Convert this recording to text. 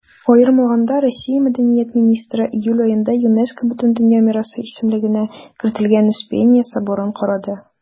Аерым алганда, Россия Мәдәният министры июль аенда ЮНЕСКО Бөтендөнья мирасы исемлегенә кертелгән Успенья соборын карады.